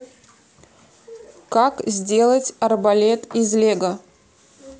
как сделать арбалет из лего